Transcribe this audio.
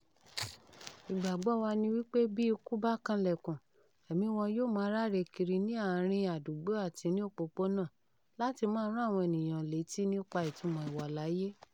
Ìgbàgbọ́ọ wa ni wípé bí ikú bá kanlẹ̀kùn, ẹ̀míi wọn yóò máa ráre kiri ní àárín-in àdúgbò àti ní òpópónà, láti máa rán àwọn ènìyàn létí nípa ìtúmọ̀ ìwà láyé.